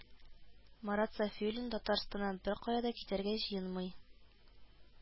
Марат Сафиуллин Татарстаннан беркая да китәргә җыенмый